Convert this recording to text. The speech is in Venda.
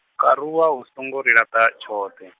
karuwa u songo ri laṱa, tshoṱhe.